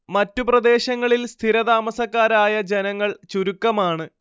മറ്റു പ്രദേശങ്ങളിൽ സ്ഥിരതാമസക്കാരായ ജനങ്ങൾ ചുരുക്കമാണ്